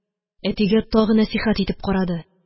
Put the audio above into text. Әтигә тагы нәсыйхәт итеп карады